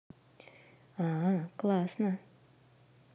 а классно